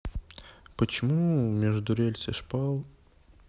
почему между рельс и шпал